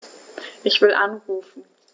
Ich will anrufen.